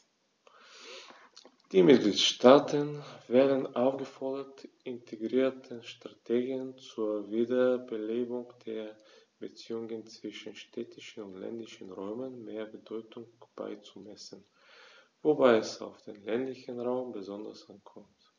Die Mitgliedstaaten werden aufgefordert, integrierten Strategien zur Wiederbelebung der Beziehungen zwischen städtischen und ländlichen Räumen mehr Bedeutung beizumessen, wobei es auf den ländlichen Raum besonders ankommt.